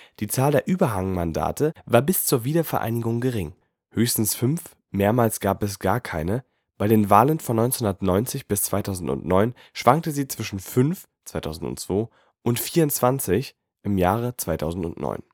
Die Zahl der Überhangmandate war bis zur Wiedervereinigung gering (höchstens 5, mehrmals gab es gar keine), bei den Wahlen von 1990 bis 2009 schwankte sie zwischen 5 (2002) und 24 im Jahr 2009